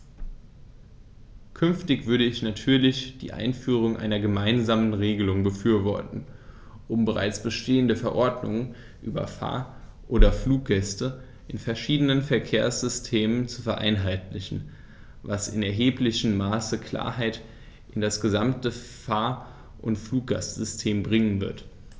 Künftig würde ich natürlich die Einführung einer gemeinsamen Regelung befürworten, um bereits bestehende Verordnungen über Fahr- oder Fluggäste in verschiedenen Verkehrssystemen zu vereinheitlichen, was in erheblichem Maße Klarheit in das gesamte Fahr- oder Fluggastsystem bringen wird.